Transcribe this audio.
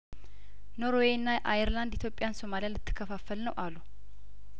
ኖርዌይእና አየርላንድ ኢትዮጵያ ሶማሊያን ልትከፋፍል ነው አሉ